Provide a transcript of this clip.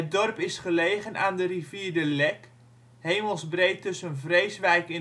dorp is gelegen aan de rivier de Lek, hemelsbreed tussen Vreeswijk